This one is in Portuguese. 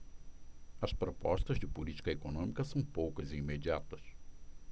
as propostas de política econômica são poucas e imediatas